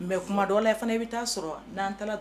Mɛ kuma dɔ la fana bɛ taa sɔrɔ n' taara